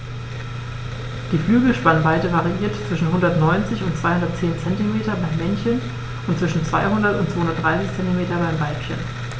Die Flügelspannweite variiert zwischen 190 und 210 cm beim Männchen und zwischen 200 und 230 cm beim Weibchen.